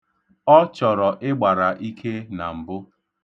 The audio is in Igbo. Ọ chọrọ ịgbara ike na mbụ.